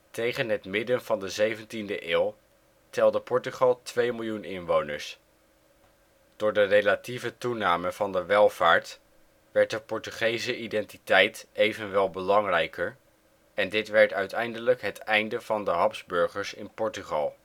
Tegen het midden van de zeventiende eeuw telde Portugal twee miljoen inwoners. Door de relatieve toename van de welvaart werd de Portugese identiteit evenwel belangrijker en dit werd uiteindelijk het einde van de Habsburgers in Portugal